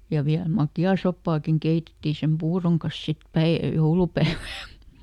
ja vielä makeaa soppaakin keitettiin sen puuron kanssa sitten - joulupäivänä